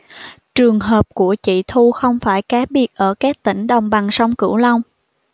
trường hợp của chị thu không phải cá biệt ở các tỉnh đồng bằng sông cửu long